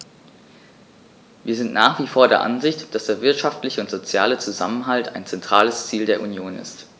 Wir sind nach wie vor der Ansicht, dass der wirtschaftliche und soziale Zusammenhalt ein zentrales Ziel der Union ist.